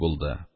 Булды.